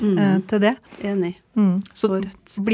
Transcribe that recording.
ja enig du har rett.